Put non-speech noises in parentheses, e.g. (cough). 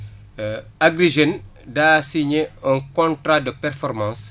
(hesitation) Agri Jeunes daa sgné un contrat de performance